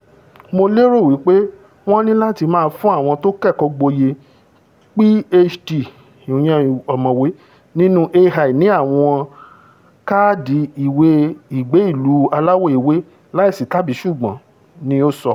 Mo lérò wí pé wọ́n ní làtí máa fún àwọn tó kẹ́kọ̀ọ́ gboyè PhD nínú AI ni àwọn káàdi ìwé ìgbé-ìlú aláwọ̀ ewé láìsí tàbí-ṣùgbọ́n, ni ó sọ.